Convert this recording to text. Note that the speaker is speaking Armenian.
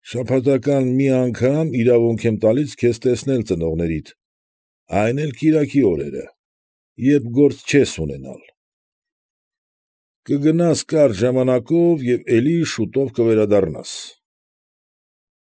Շաբաթական մի անգամ իրավունք եմ տալիս քեզ տեսնել ծնողներիդ, այն էլ կիրակի օրերը, երբ գործ չես ունենալ, կգնաս կարճ ժամանակով և էլի շուտով կվերադառնաս։